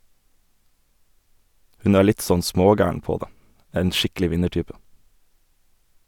Hun er litt sånn smågæren på det , en skikkelig vinnertype.